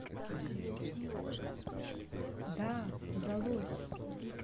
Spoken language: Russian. да удалось